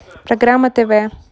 программа тв